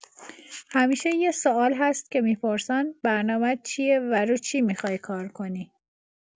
همیشۀ سوال هست که می‌پرسن برنامت چیه و رو چی میخوای کار کنی؟